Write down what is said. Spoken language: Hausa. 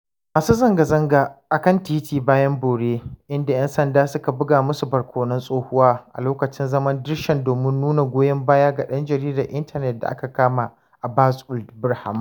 Masu zangazanga a kan titi bayan bore, inda 'yan sanda suka buga musu barkonon tsohuwa a lokacin zaman dirshan domin nuna goyon baya ga ɗan jaridar intanet da aka kama, Abbass Ould Brahmam.